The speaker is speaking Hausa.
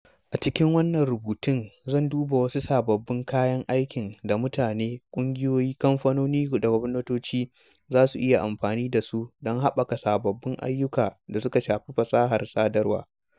A cikin wannan rubutun, zan duba wasu sabbin kayan aikin da mutane, ƙungiyoyi, kamfanoni da gwamnatoci za su iya amfani da su don haɓaka sababbin ayyuka da suka shafi fasahar sadarwa.